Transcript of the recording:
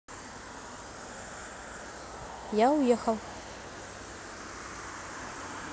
я уехал